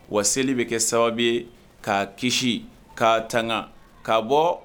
Wa seli bɛ kɛ sababu k'a kisi k kaa tanga kaa bɔ